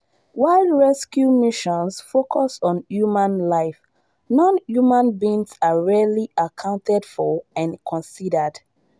While rescue missions focus on human life, non-human beings are rarely accounted for and considered.